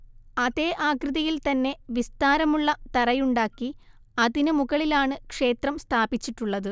അതേ ആകൃതിയിൽ തന്നെ വിസ്താരമുള്ള തറയുണ്ടാക്കി അതിനു മുകളിലാണ് ക്ഷേത്രം സ്ഥാപിച്ചിട്ടുള്ളത്